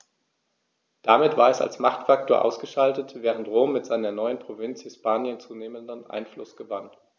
Damit war es als Machtfaktor ausgeschaltet, während Rom mit seiner neuen Provinz Hispanien zunehmend an Einfluss gewann.